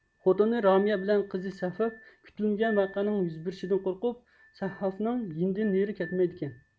خوتۇنى رامىيە بىلەن قىزى سەفەف كۈتۈلمىگەن ۋەقەنىڭ يۈز بېرىشىدىن قورقۇپ سەھافنىڭ يېنىدىن نېرى كەتمەيدىكەن